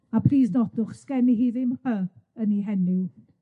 A plîs nodwch, sgenni hi ddim hy yn 'i henw.